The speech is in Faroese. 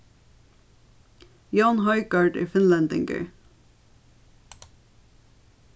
jón højgaard er finnlendingur